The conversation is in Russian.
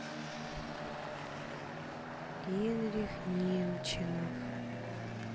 генрих немчинов